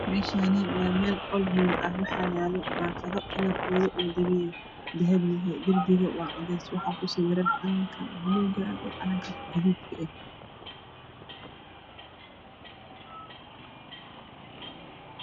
Meeshaani waa meel qol hool ah waxaa yaalo baakado kalarkoodu uu dahabi yahay darbiga waa cadays waxaa ku sawiran calanka buluuga iyo calanka gaduud ka